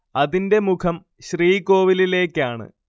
അതിന്റെ മുഖം ശ്രീകോവിലിലേക്കാണ്‌‍